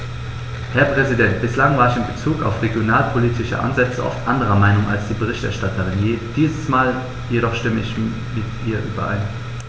Herr Präsident, bislang war ich in Bezug auf regionalpolitische Ansätze oft anderer Meinung als die Berichterstatterin, diesmal jedoch stimme ich mit ihr überein.